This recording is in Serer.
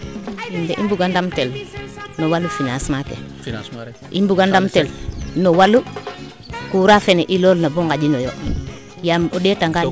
in de i mbuga ndam tel o walu financement ke i mbuga ndam tl no walu courant fene i nganj na bo nganjinoyo yaam o ndeeta ngaan